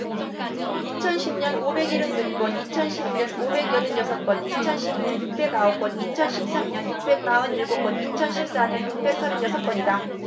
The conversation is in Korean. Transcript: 이천 십 년 오백 일흔 두 건 이천 십 일 년 오백 여든 여섯 건 이천 십 이 년 육백 아홉 건 이천 십 삼 년 육백 마흔 일곱 건 이천 십 사 년 육백 서른 여섯 건이다